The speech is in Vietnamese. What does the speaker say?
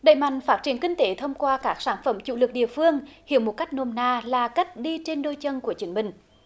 đẩy mạnh phát triển kinh tế thông qua các sản phẩm chủ lực địa phương hiểu một cách nôm na là cách đi trên đôi chân của chính mình